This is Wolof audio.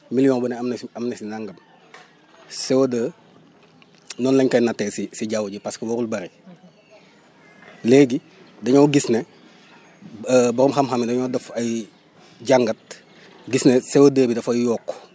million bu ne am na am na si nangam CO2 noonu la ñu koy nattee si si jaww ji parce que warul bëre léegi dañoo gis ne borom xam-xam yi dañoo def ay jàngat gis ne CO2 bi dafay yokk